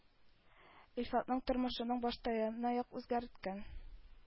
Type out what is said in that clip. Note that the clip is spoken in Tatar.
Илфатның тормышын баштанаяк үзгәрткән